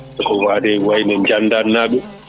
eko wade ko wayno Diagane naɓe